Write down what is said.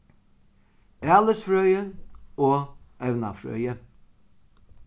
alisfrøði og evnafrøði